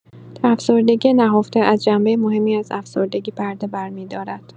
در افسردگی نهفته، از جنبه مهمی از افسردگی پرده برمی‌دارد